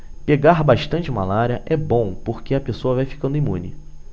pegar bastante malária é bom porque a pessoa vai ficando imune